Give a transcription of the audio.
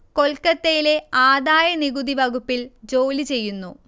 കൊൽക്കത്തയിലെ ആദായ നികുതി വകുപ്പിൽ ജോലി ചെയ്യുന്നു